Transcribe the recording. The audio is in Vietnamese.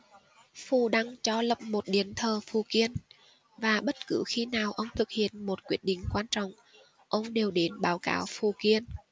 phù đăng cho lập một điện thờ phù kiên và bất cứ khi nào ông thực hiện một quyết định quan trọng ông đều đến báo cáo phù kiên